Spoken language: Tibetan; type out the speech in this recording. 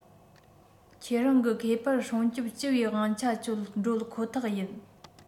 ཁྱེད རང གི ཁེ ཕན སྲུང སྐྱོང སྤྱི པའི དབང ཆ སྤྱོད འགྲོ ཁོ ཐག ཡིན